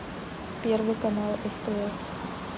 первый канал стс